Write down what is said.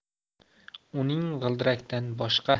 uning g'ildirakdan boshqa